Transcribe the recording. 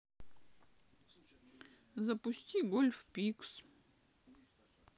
запусти гольф пикс